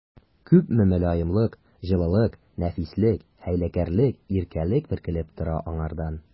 Күпме мөлаемлык, җылылык, нәфислек, хәйләкәрлек, иркәлек бөркелеп тора аңардан!